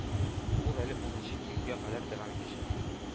Ул әле унынчы июльгә кадәр дәвам итәчәк.